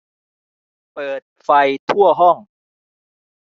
เปิดไฟทั่วห้อง